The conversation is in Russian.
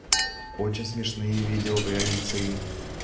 очень смешные видео про рыцарей